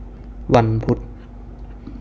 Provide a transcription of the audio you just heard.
วันพุธ